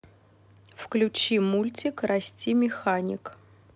включи мультик расти механик